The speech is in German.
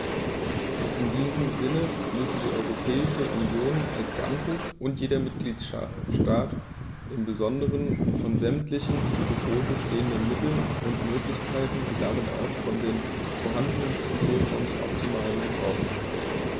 In diesem Sinne müssen die Europäische Union als Ganzes und jeder Mitgliedstaat im Besonderen von sämtlichen zu Gebote stehenden Mitteln und Möglichkeiten und damit auch von den vorhandenen Strukturfonds optimalen Gebrauch machen.